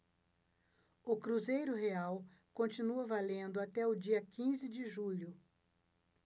o cruzeiro real continua valendo até o dia quinze de julho